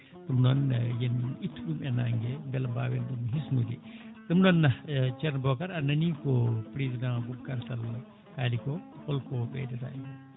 ɗum noon yen ittu ɗun e nangue he beel a mbwen ɗum hisnude ɗum noon e ceerno Bocar a nani ko président Boubacar Sall haaliko holko ɓeydata hen